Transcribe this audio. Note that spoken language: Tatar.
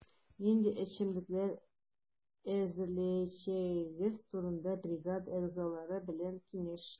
Нинди эчемлекләр әзерләячәгегез турында бригада әгъзалары белән киңәшләш.